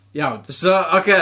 Iawn, so ocê.